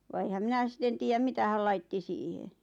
vaan enhän minä sitten tiedä mitä hän laittoi siihen